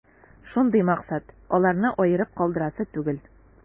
Шундый максат: аларны аерып калдырасы түгел.